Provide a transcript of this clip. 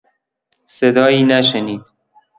صدایی نشنید.